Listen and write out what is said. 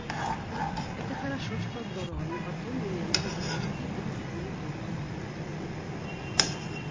это хорошо что здорово но потом меня могут отвести вылезти youtube